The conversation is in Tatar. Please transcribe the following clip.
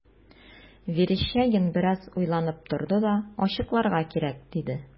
Верещагин бераз уйланып торды да: – Ачыкларга кирәк,– диде.